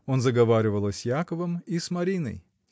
Он заговаривал и с Яковом, и с Мариной.